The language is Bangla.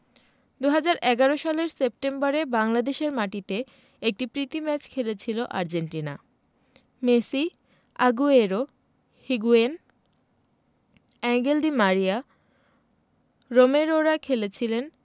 ২০১১ সালের সেপ্টেম্বরে বাংলাদেশের মাটিতে একটি প্রীতি ম্যাচ খেলেছিল Argentina Messi Aguero Higuain Angel Di Maria রোমেরোরা খেলেছিলেন